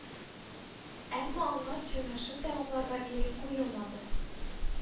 Әмма аңа чыгышын тәмамларга ирек куелмады